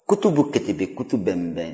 kutubu-ketebe kutubɛnbɛn